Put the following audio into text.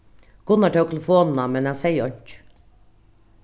gunnar tók telefonina men hann segði einki